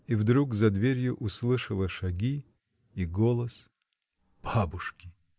И вдруг за дверью услышала шаги и голос. бабушки!